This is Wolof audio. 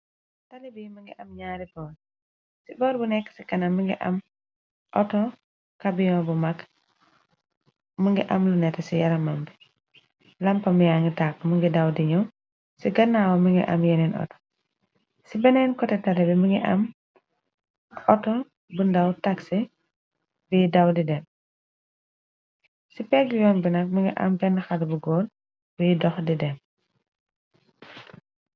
Tali bi mi ngi am ñyaari boor. Ci boor bu nekk ci kana mi ngi am auto kabiyon bu mag mu ngi am lu neté ci yaramam bi lampa miyangi tàgg mu ngi daw diñu ci gannaawa mi ngi am yeneen auto ci beneen kote tali bi mi ngi am auto. bu ndaw taxi biy daw di dem ci pegg yoon bi nag mi ngi am benn xal bu góol biy dox di dem.